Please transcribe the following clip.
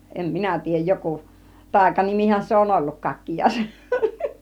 en minä tiedä joku taikanimihän se on ollut kakkiaisen